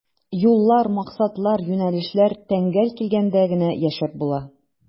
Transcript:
Юллар, максатлар, юнәлешләр тәңгәл килгәндә генә яшәп була.